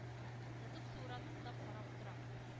Ятып суыра, туктап карап тора,